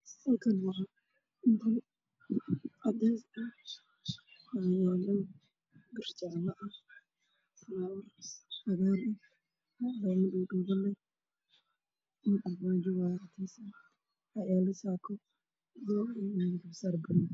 Waa qol cadees iyo go buluug ah oo garbasaar ah